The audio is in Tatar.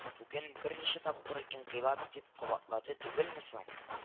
Бүген берничә тапкыр инкыйлаб дип кабатлады түгелме соң